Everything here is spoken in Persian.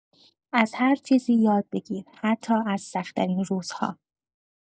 از هر چیزی یاد بگیر حتی از سخت‌ترین روزها.